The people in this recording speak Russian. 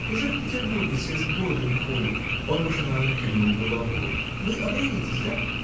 Ужели в Петербурге все с бородами ходят? Он машинально кивнул головой. — Вы обреетесь, да?